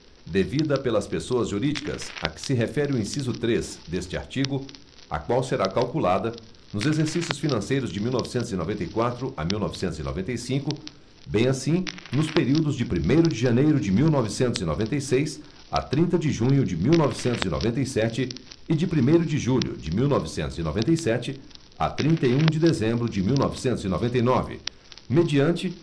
devida pelas pessoas jurídicas a que se refere o inciso três deste artigo a qual será calculada nos exercícios financeiros de mil e novecentos e noventa e quatro a mil e novecentos e noventa e cinco bem assim nos períodos de primeiro de janeiro de mil e novecentos e noventa e seis a trinta de junho de mil e novecentos e noventa e sete e de primeiro de julho de mil e novecentos e noventa e sete a trinta e um de dezembro de mil e novecentos e noventa e nove mediante